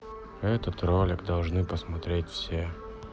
этот ролик должны посмотреть все